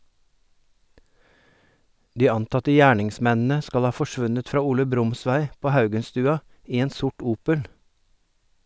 De antatte gjerningsmennene skal ha forsvunnet fra Ole Brumsvei på Haugenstua i en sort Opel.